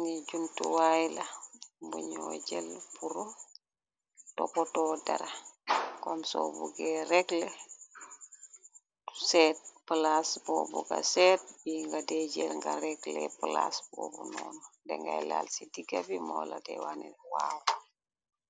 Ni juntuwaay la buñoo jël puru topotoo dera kom so bugge regle seet plaas boo buga seet bi nga deejel nga rekle plaas boo bu noonu te ngay laal ci diggabi moo la dewanin waaw